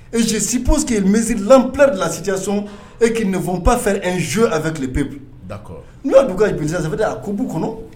et je suppose que mesure de l'ampleur de la situation qui ne vont pas faire un jeu avec le peuple d'accord n'a kun ka ɲi ça veut dire president a tun bɛ u kɔnɔ!